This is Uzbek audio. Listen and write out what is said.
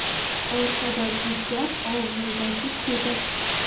orqadagi gap og'ildagi tezak